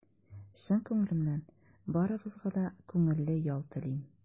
Чын күңелемнән барыгызга да күңелле ял телим!